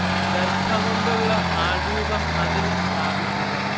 ദർഭ കൊണ്ടുള്ള ആൾരൂപം അതിൽ സ്ഥാപിയ്ക്കുക